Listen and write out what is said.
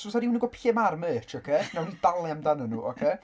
Os oes 'na rywun yn gwybod lle ma'r merch ocê wnawn ni dalu amdanyn nhw ocê?